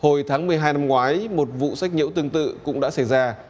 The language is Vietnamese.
hồi tháng mười hai năm ngoái một vụ sách nhiễu tương tự cũng đã xảy ra